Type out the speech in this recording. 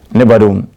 Ne badon